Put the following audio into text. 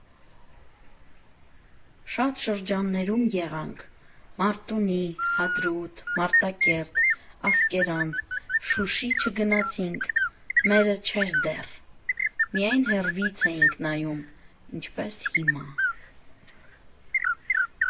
Շատ շրջաններում եղանք՝ Մարտունի, Հադրութ, Մարտակերտ, Ասկերան, Շուշի չգնացինք, մերը չէր դեռ, միայն հեռվից էինք նայում՝ ինչպես հիմա։